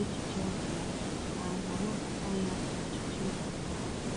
echiche ọ bụla ma a ga-anabata ya n’ọchịchị ndọrọndọrọ ahụ.